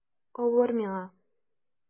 Авыр миңа...